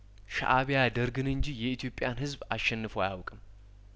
ሻእቢያ ደርግን እንጂ የኢትዮጵያን ህዝብ አሸንፎ አያውቅም